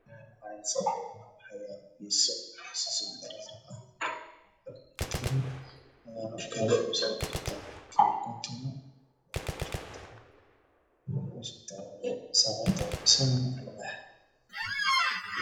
meesha waxaa yaalla biizo